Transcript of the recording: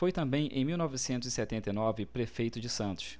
foi também em mil novecentos e setenta e nove prefeito de santos